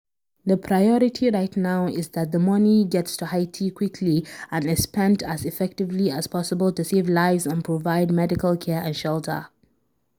The priority right now is that the money gets to Haiti quickly and is spent as effectively as possible to save lives, and provide medical care and shelter.